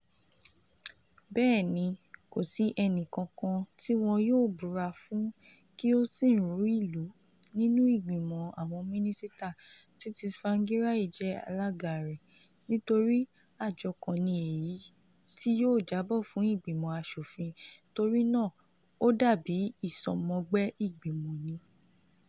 Bẹ́ẹ̀ni, kò sí ẹnì kankan tí wọn yóò búra fún kí ó sìn rú ìlú nínú ìgbìmọ̀ àwọn Mínísítà (tí Tsavangirai jẹ́ alága rẹ̀), nítorí àjọ kan ni èyí tí yóò jábọ̀ fún ìgbìmọ̀ aṣòfin, torí náà ó dà bí ìsọmọgbẹ̀ ìgbìmọ̀ ni.